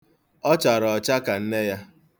Ọ chara ọcha ka nne ya.